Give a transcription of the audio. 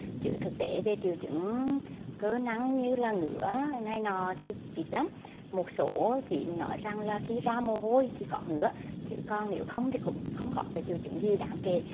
chứ thực tế về triệu chứng cơ năng như là ngứa này nọ thì ít lắm một số chỉ nói rằng là khi ra mồ hôi thì có ngứa chứ còn nếu không thì cũng không có cái triệu chứng gì đáng kể